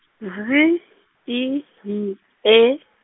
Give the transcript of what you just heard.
Z, I, Y, E.